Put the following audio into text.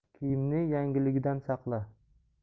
kiyimni yangiligidan saqla